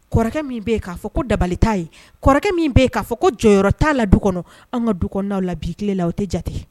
Kɔrɔkɛ min bɛ yen k'a fɔ ko dabalilita ye kɔrɔkɛ min bɛ yen k'a fɔ ko jɔyɔrɔ t'a la du kɔnɔ an ka du kɔnɔ'aw la bi tile la o tɛ jate